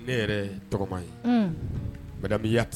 Ne yɛrɛ tɔgɔma, unhun, Mme Yatt